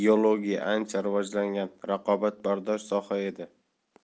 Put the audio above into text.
geologiya ancha rivojlangan raqobatbardosh soha edi